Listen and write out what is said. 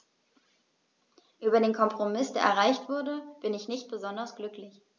Über den Kompromiss, der erreicht wurde, bin ich nicht besonders glücklich.